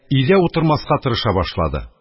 Өйдә утырмаска тырыша башлады